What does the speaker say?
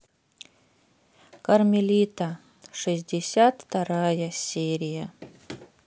кармелита шестьдесят вторая серия